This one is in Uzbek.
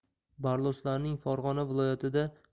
barloslarning farg'ona viloyatida shuncha